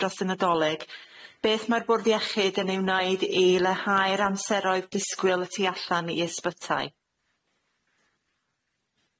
dros y Nadolig. Beth mae'r Bwrdd Iechyd yn ei wneud i leihau'r amseroedd disgwyl y tu allan i ysbytai?